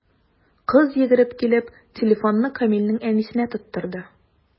Кыз, йөгереп килеп, телефонны Камилнең әнисенә тоттырды.